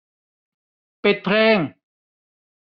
ปิดเพลง